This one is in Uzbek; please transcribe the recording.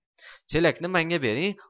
chelakni manga bering